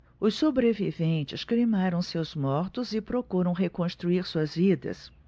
os sobreviventes cremaram seus mortos e procuram reconstruir suas vidas